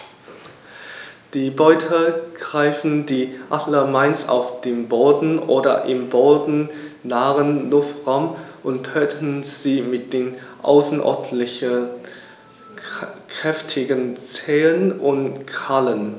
Die Beute greifen die Adler meist auf dem Boden oder im bodennahen Luftraum und töten sie mit den außerordentlich kräftigen Zehen und Krallen.